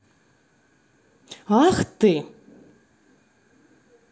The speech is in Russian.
ах ты